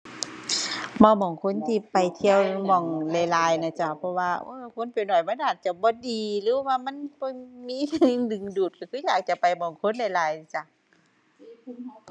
มักหม้องคนที่ไปเที่ยวหม้องหลายหลายน่ะจ้ะ เพราะว่า โอ๊ย คนไปน้อยมันอาจจะบ่ดี หรือว่ามันบ่มีสิ่งดึงดูดก็คืออยากจะไปหม้องคนหลายหลายจ้ะ